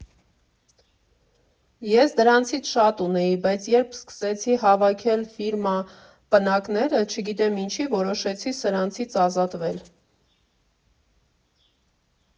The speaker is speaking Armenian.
Ես դրանցից շատ ունեի, բայց երբ սկսեցի հավաքել ֆիրմա պնակները, չգիտեմ ինչի որոշեցի սրանցից ազատվել։